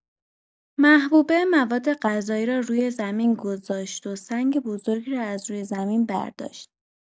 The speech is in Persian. محبوبه موادغذایی را روی زمین گذاشت و سنگ بزرگی را از روی زمین برداشت.